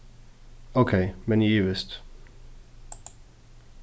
ókey men eg ivist